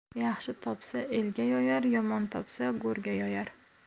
yaxshi topsa elga yoyar yomon topsa go'rga yoyar